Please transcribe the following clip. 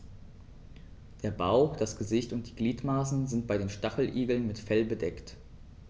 Der Bauch, das Gesicht und die Gliedmaßen sind bei den Stacheligeln mit Fell bedeckt.